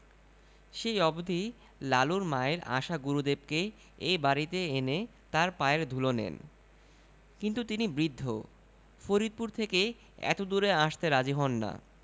সেই অবধি লালুর মায়ের আশা গুরুদেবকে এ বাড়িতে এনে তাঁর পায়ের ধুলো নেন কিন্তু তিনি বৃদ্ধ ফরিদপুর থেকে এতদূরে আসতে রাজী হন না